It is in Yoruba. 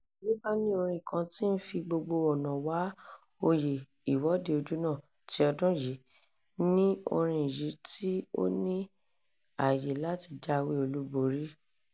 Bí ó bá ní orin kan tí ń fi gbogbo ọ̀nà wá oyè Ìwọ́de Ojúnà ti ọdún yìí, ni orin yìí tí ó ní àyè láti jáwé olúborí: